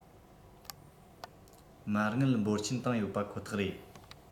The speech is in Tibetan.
མ དངུལ འབོར ཆེན བཏང ཡོད པ ཁོ ཐག རེད